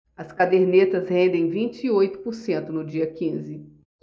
as cadernetas rendem vinte e oito por cento no dia quinze